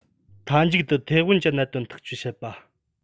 མཐའ མཇུག ཏུ ཐའེ ཝན གྱི གནད དོན ཐག གཅོད བྱེད པ